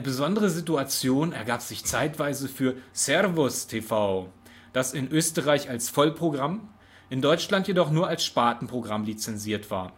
besondere Situation ergab sich zeitweise für ServusTV, das in Österreich als Vollprogramm, in Deutschland jedoch nur als Spartenprogramm lizenziert war.